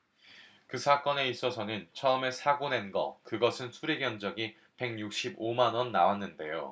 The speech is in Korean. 그 사건에 있어서는 처음에 사고 낸 거 그것은 수리 견적이 백 육십 오 만 원 나왔는데요